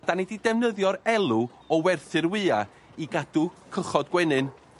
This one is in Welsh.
'Dan ni 'di defnyddio'r elw o werthu'r wya i gadw cychod gwenyn.